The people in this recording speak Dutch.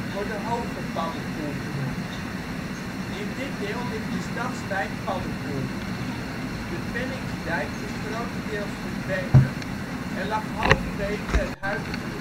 wordt de Hoge Paddepoel genoemd. In dit deel ligt de stadswijk Paddepoel. De Penningsdijk is grotendeels verdwenen en lag halverwege het huidige